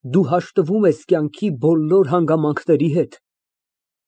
Դու հաշտվում ես կյանքի բոլոր հանգամանքների հետ։